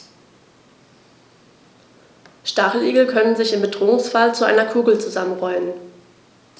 Stacheligel können sich im Bedrohungsfall zu einer Kugel zusammenrollen.